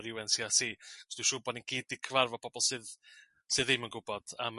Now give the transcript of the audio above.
yr iw en si ar si 'chos dwi'n siŵr bo' ni gyd 'di cyfarfod pobol sydd sydd ddim yn gw'bod am yr